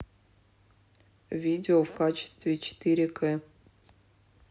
видео в качестве четыре к